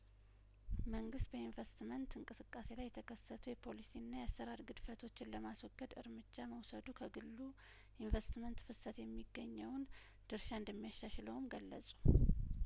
መንግስት በኢንቨስትመንት እንቅስቃሴ ላይ የተከሰቱ የፖሊሲና የአሰራር ግድፈቶችን ለማስወገድ እርምጃ መውሰዱ ከግሉ ኢንቨስትመንት ፍሰት የሚገኘውን ድርሻ እንደሚያሻሽለውም ገለጹ